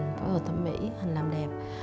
làm đẹp